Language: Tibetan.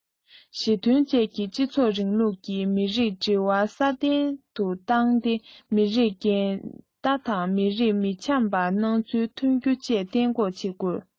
ཞི མཐུན བཅས ཀྱི སྤྱི ཚོགས རིང ལུགས ཀྱི མི རིགས འབྲེལ བ སྲ བརྟན དུ བཏང སྟེ མི རིགས འགལ ཟླ དང མི རིགས མི འཆམ པའི སྣང ཚུལ ཐོན རྒྱུ གཏན འགོག བྱེད དགོས